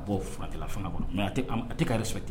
A bɔ fantila fanga kɔnɔ mɛ a tɛre sɛ ten